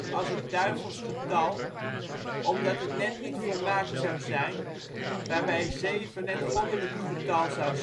als het duivels getal, omdat het net niet volmaakt zou zijn, waarbij zeven het goddelijke getal zou zijn